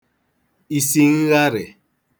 isi ngharị̀